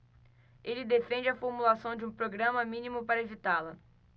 ele defende a formulação de um programa mínimo para evitá-la